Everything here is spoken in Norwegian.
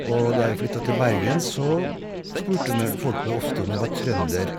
Og da jeg flytta til Bergen, så spurte me folk meg ofte om jeg var trønder.